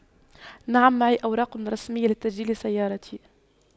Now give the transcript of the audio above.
نعم معي أوراق رسمية لتسجيل سيارتي